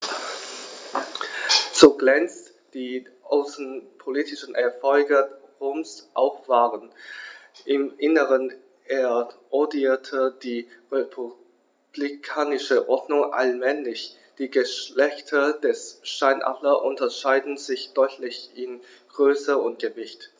So glänzend die außenpolitischen Erfolge Roms auch waren: Im Inneren erodierte die republikanische Ordnung allmählich. Die Geschlechter des Steinadlers unterscheiden sich deutlich in Größe und Gewicht.